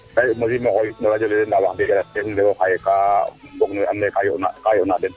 andee mosiim o xoyit no radio le de ndaa wax deg o theme ole wo xaye kaa fog no we andoona yee ka yo'naa den